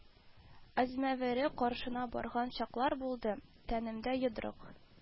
Әзмәвере каршына барган чаклар булды, тәнемдә йодрык